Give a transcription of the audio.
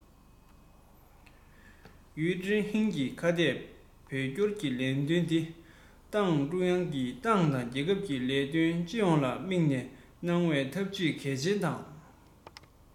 ཡུས ཀྲེང ཧྲེང གིས ཁ གཏད བོད སྐྱོར གྱི ལས དོན ནི ཏང ཀྲུང དབྱང གིས ཏང དང རྒྱལ ཁབ ཀྱི ལས དོན སྤྱི ཡོངས ལ དམིགས ནས གནང བའི འཐབ ཇུས གལ ཆེན དང